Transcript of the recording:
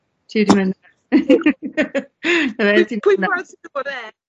Ti 'di mynd. 'Na fe ti'n...